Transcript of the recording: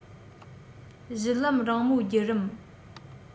བཞུད ལམ རིང མོའི བརྒྱུ རིམ